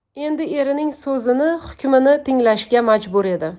endi erining so'zini hukmini tinglashga majbur edi